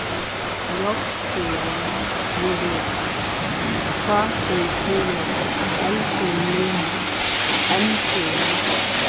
j fyri juliett k fyri kilo l fyri lima m fyri mike